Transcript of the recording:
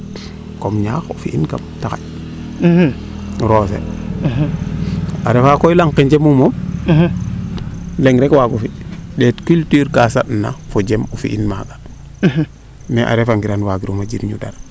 kom ñaax o fi'in kam te xanj o roose a refa lang ke njemu moom leŋ rek waago fi ndeet culture kaa sand na fojem o fi'in maaga mais a refa giran wagirano jirñu dara